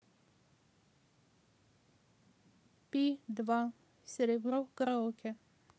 би два серебро караоке